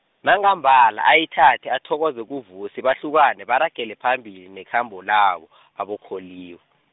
nangambala ayithathe athokoze kuVusi, bahlukane baragele phambili nekhambo labo , aboKholiwe.